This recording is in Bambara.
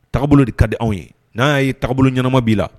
Taabolo bolo de ka di anw ye n'a y'a ye taabolobolo ɲɛnama b'i la